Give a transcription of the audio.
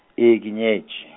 ee, ke nyetše.